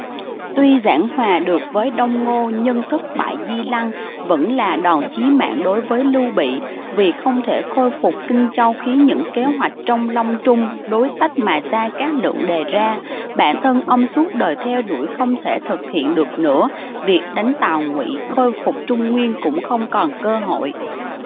tuy giảng hòa được với đông ngô nhưng thất bại di lăng vẫn là đòn chí mạng đối với lưu bị vì không thể khôi phục kinh châu khiến những kế hoạch trong long trung đối sách mà gia cát lượng đề ra bản thân ông suốt đời theo đuổi không thể thực hiện được nữa việc đánh tào ngụy khôi phục trung nguyên cũng không còn cơ hội